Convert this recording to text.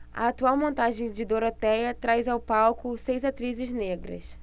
a atual montagem de dorotéia traz ao palco seis atrizes negras